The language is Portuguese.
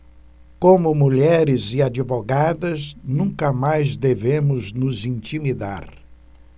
como mulheres e advogadas nunca mais devemos nos intimidar